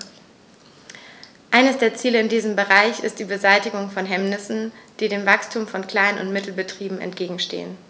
Eines der Ziele in diesem Bereich ist die Beseitigung von Hemmnissen, die dem Wachstum von Klein- und Mittelbetrieben entgegenstehen.